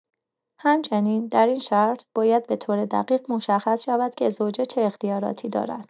همچنین، در این شرط، باید به‌طور دقیق مشخص شود که زوجه چه اختیاراتی دارد.